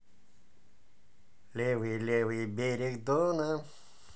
левый левый берег дона